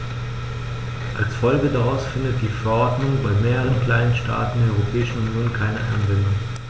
Als Folge daraus findet die Verordnung bei mehreren kleinen Staaten der Europäischen Union keine Anwendung.